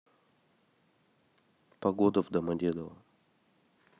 погода в домодедово